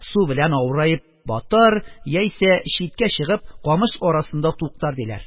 Су белән авыраеп батар, яисә, читкә чыгып, камыш арасында туктар, диләр.